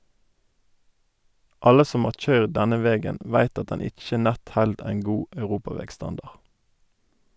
Alle som har køyrd denne vegen veit at den ikkje nett held ein god europavegstandard.